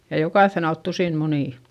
ja jokaisen alta tusina munia